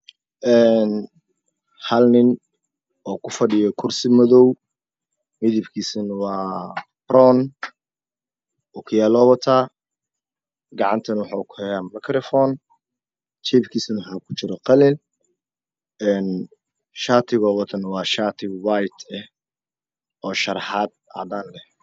Een hal nin oo ku fadhiyo kursi madow midabkiisuna waa baroon ookiyaaluu wataa gacantana waxa ku heyaa makerifoon jeebkiisuna waxaa ku jiro qalin een shaatiguu watana shaati white eh oo sharaaxaad cadaan leh